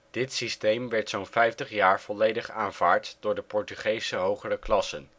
Dit systeem werd zo 'n vijftig jaar volledig aanvaard door de Portugese hogere klassen